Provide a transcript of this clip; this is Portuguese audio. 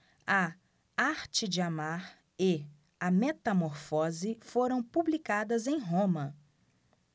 a arte de amar e a metamorfose foram publicadas em roma